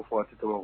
Ko fo tɛ dɔrɔn